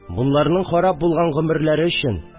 Бонларның харап булган гомерләре өчен